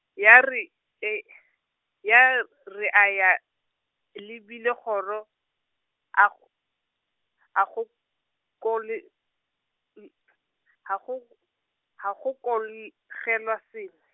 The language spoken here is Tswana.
ya re, e , ya r- re a ya, lebile kgoro, a g- , a go kole-, n- ha go- ha goko- l- gelwa sengwe.